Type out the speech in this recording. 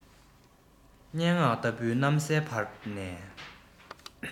སྙན ངག ལྟ བུའི གནམ སའི བར ནས